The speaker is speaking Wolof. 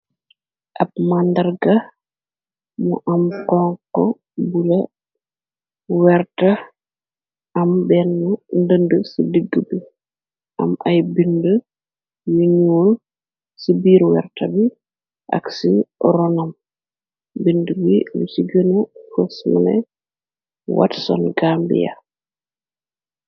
ab màndarga mu am konko bula werta am benn ndënd ci diggu bi am ay bind yu ñuul ci biiru werta bi ak ci ronom bind bi lu cigena fosmene watson gambia